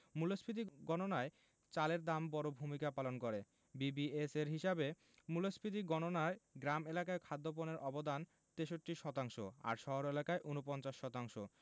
মূল্যস্ফীতি গণনায় চালের দাম বড় ভূমিকা পালন করে বিবিএসের হিসাবে মূল্যস্ফীতি গণনায় গ্রাম এলাকায় খাদ্যপণ্যের অবদান ৬৩ শতাংশ আর শহর এলাকায় ৪৯ শতাংশ